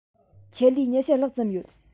ཆེད ལས ༢༠ ལྷག ཙམ ཡོད